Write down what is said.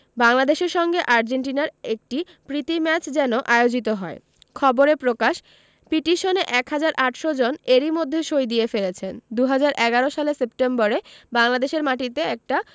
বাংলাদেশের সঙ্গে আর্জেন্টিনার একটি প্রীতি ম্যাচ যেন আয়োজিত হয় খবরে প্রকাশ পিটিশনে ১ হাজার ৮০০ জন এরই মধ্যে সই দিয়ে ফেলেছেন ২০১১ সালের সেপ্টেম্বরে বাংলাদেশের মাটিতে একটা